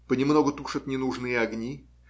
понемногу тушат ненужные огни